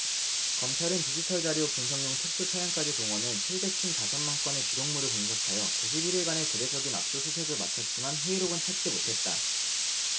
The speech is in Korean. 검찰은 디지털자료 분석용 특수차량까지 동원해 칠백 쉰 다섯 만건의 기록물을 분석하며 구십 일 일간의 대대적인 압수수색을 마쳤지만 회의록은 찾지 못했다